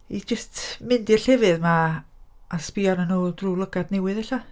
I jyst mynd i'r llefydd 'ma, a sbïo arnyn nhw drwy lygaid newydd ella.